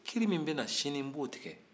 kiri min bɛna sini n b'o tigɛ